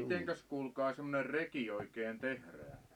mitenkäs kuulkaa semmoinen reki oikein tehdään